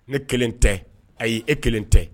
Ne kelen tɛ ayi'e kelen tɛ